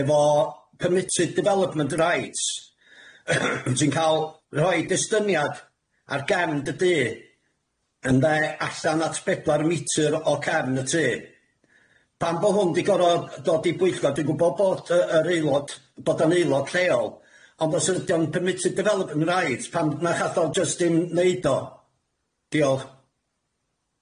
Efo permitted development rights, ti'n ca'l rhoid estyniad ar gefn dy dŷ ynde, allan at bedwar metr o cefn y tŷ. Pan bo' hwn di gor'o' dod i bwyllgor dwi'n gwbo' bod yy yr aelod bod o'n aelod lleol ond os ydi o'n permitted development rights pan ma' chatho jyst yn neud o? Diolch.